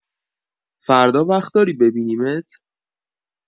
فردا وقت داری ببینیمت؟